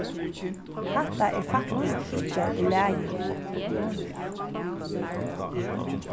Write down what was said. hatta er faktiskt ikki í lagi